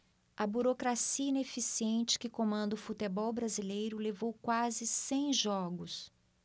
a burocracia ineficiente que comanda o futebol brasileiro levou quase cem jogos